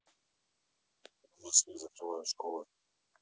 в москве закрывают школы